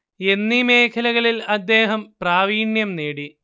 എന്നീ മേഖലകളിൽ അദ്ദേഹം പ്രാവീണ്യം നേടി